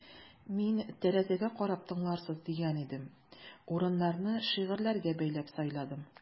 Мин тәрәзәгә карап тыңларсыз дигән идем: урыннарны шигырьләргә бәйләп сайладым.